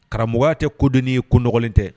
Karamɔgɔ tɛ kodnin ye koɔgɔn tɛ